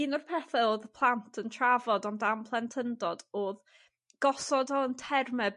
un o'r peth odd y plant yn trafod ond am plentyndod odd gosod o'n terme